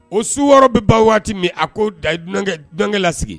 O su wɔɔrɔ bɛ ban waati min a kookɛ lasigi